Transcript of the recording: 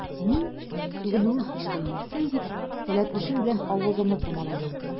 Мин, сүгенүем ишетелмәсен дип, кәләпүшем белән авызымны томаладым.